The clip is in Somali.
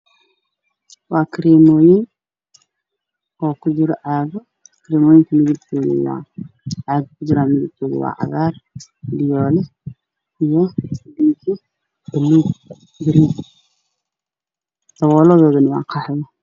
Waa karemoyin oo kujiro cagag cag midbkey kujiran waa cagar fiyol balug garey dabolah waa qaxwi